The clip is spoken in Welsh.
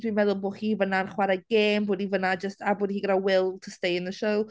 Dwi'n meddwl bod hi fanna'n chwarae gêm, bod hi fanna jyst a bod hi gyda Will to stay in the show.